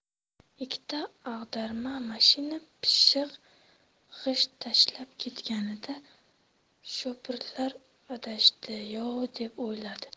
ikkita ag'darma mashina pishiq g'isht tashlab ketganida sho'pirlar adashdi yov deb o'yladi